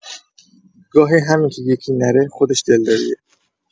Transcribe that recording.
گاهی همین که یکی نره، خودش دلداریه.